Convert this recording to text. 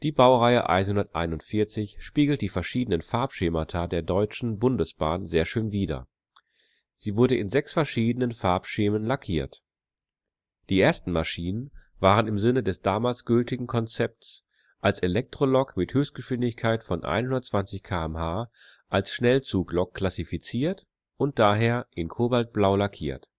Baureihe 141 spiegelt die verschiedenen Farbschemata der Deutschen (Bundes -) Bahn sehr schön wider, sie wurde in sechs verschiedenen Farbschemen lackiert: Die ersten Maschinen waren im Sinne des damals gültigen Konzepts als Elektrolok mit Höchstgeschwindigkeit von 120 km/h als Schnellzuglok klassifiziert und daher in kobaltblau lackiert